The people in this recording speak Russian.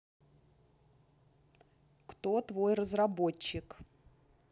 кто твой разработчик